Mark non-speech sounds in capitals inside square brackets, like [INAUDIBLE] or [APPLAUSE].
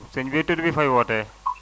sëñ bi tur bi fooy wootee [NOISE]